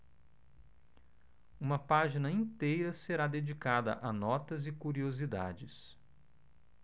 uma página inteira será dedicada a notas e curiosidades